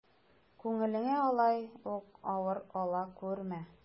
Күңелеңә алай ук авыр ала күрмә.